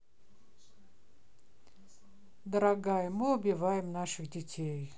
дорогая мы убиваем наших детей